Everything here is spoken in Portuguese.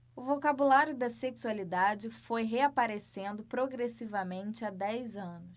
o vocabulário da sexualidade foi reaparecendo progressivamente há dez anos